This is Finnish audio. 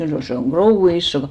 se on krouvia isoa -